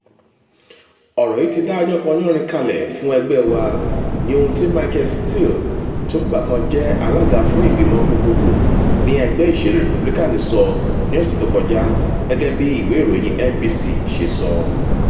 “Ọ̀rọ̀ yìí ti dá yánpọyánrin kalẹ̀ fún ẹgbẹ́ wa” ni ohun tí Michael Steele tí ó fìgbà kan jẹ́ alága fún ìgbìmọ̀ gbogbogbò ní ẹgbẹ́ ìṣèlú Rìpúbílíkáànì sọ ní ọ̀sẹ̀ tó kọjá gẹ́gẹ́ bí NBC News ṣe sọ.